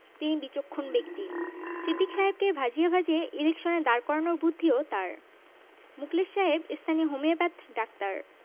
তিনি বিচক্ষণ ব্যক্তি সিদ্দিক সাহেবকে ভাজিয়ে ভাজিয়ে ইলেকশনে দাঁড় করানোর বুদ্ধিও তাঁর মুখলেস সাহেব স্থানীয় হোমিওপ্যাথ ডাক্তার